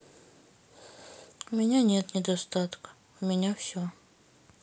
у меня нет недостатка у меня все